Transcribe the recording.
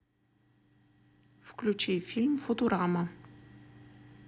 включи фильм футурама